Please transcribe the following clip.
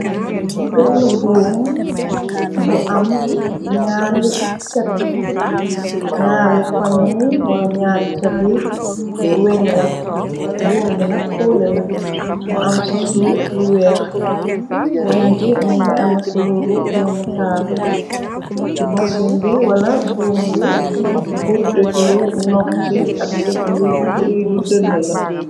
Bennu goor bu amm ñyaari chat ñaari kom yi wala ñyaari chat yi weñ la, buum gi nag foole la mu am ci suuf lu weex. Weñ ji mëngi ame kulooru doomu taal, mësin bi wala buum bi pur deg lu nog ci ak deg lu riidu dën la.